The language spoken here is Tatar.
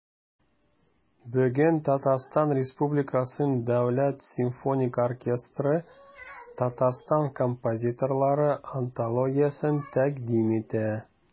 Бүген ТР Дәүләт симфоник оркестры Татарстан композиторлары антологиясен тәкъдим итә.